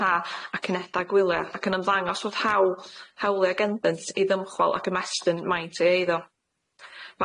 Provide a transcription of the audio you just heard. ha a cineda gwylia ac yn ymddangos fod hawl hawlia' genddynt i ddymchwel ac ymestyn maint i eiddo.